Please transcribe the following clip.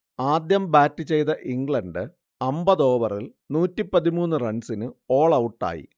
ആദ്യം ബാറ്റ് ചെയ്ത ഇംഗ്ലണ്ട് അമ്പതോവറിൽ നൂറ്റിപ്പതിമൂന്ന് റൺസിന് ഓൾ ഔട്ടായി